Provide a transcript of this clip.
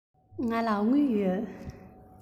ང ལ དངུལ ཡོད